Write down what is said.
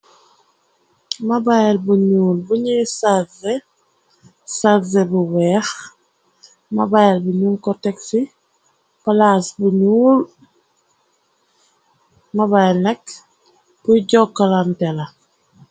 Mobile bu ñuul buñuy sarse bu weex mobile bi nyung ko tex si palaas bu ñuul mobile naak burr jokalante la.